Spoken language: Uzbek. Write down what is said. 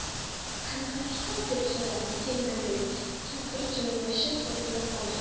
qanaqa kitob deb so'radim sendan dedi kampir joylashib o'tirib olgach